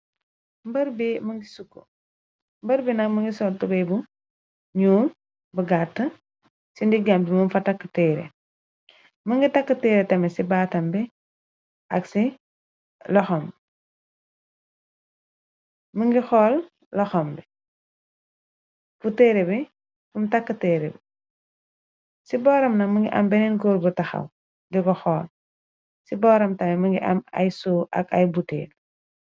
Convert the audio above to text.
Mbor bi nak mu ngi sor tubeye bu ñuul bu gàtt ci ndigam bi mum fa takk teere më ngi tàkk teere tame ci baatam bi ak ci loxam më ngi xool loxambu teere bi um takkteere bi ci booram na m ngi am beneen kóor bu taxaw diko xool ci booram tame më ngi am ay so ak ay buteel.